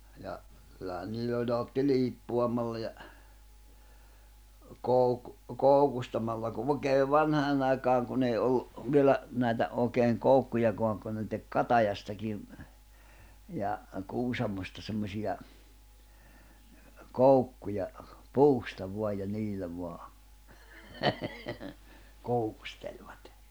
ja kyllähän niillä oli ne otti liippuamalla ja - koukustamalla kun oikein vanhaan aikaan kun ei ollut vielä näitä oikein koukkujakaan kun ne teki katajastakin ja kuusamosta semmoisia koukkuja puusta vain ja niillä vain koukustelivat